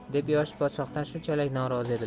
edi deb yosh podshohdan shunchalik norozi edilar